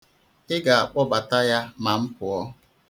Ị ga-akpọbata ya ma m pụọ.